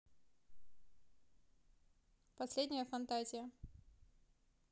последняя фантазия